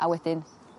a wedyn